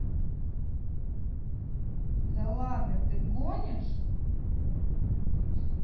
да ладно ты гонишь